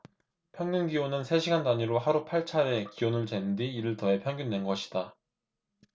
평균기온은 세 시간 단위로 하루 팔 차례 기온을 잰 뒤 이를 더해 평균 낸 것이다